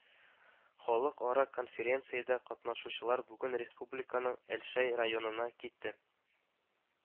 Халыкара конференциядә катнашучылар бүген республиканың Әлшәй районына китте